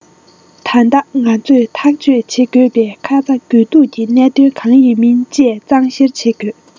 ད ལྟ ང ཚོས ཐག གཅོད བྱེད དགོས པའི ཁ ཚ དགོས གཏུགས ཀྱི གནད དོན གང ཡིན མིན བཅས གཙང བཤེར བྱེད དགོས